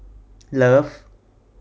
เลิฟ